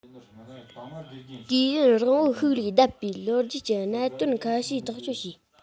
དུས ཡུན རིང པོར ཤུལ ལུས བསྡད པའི ལོ རྒྱུས ཀྱི གནད དོན ཁ ཤས ཐག གཅོད བྱས